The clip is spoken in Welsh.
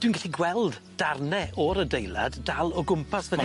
Dwi'n gallu gweld darne o'r adeilad dal o gwmpas fan 'yn.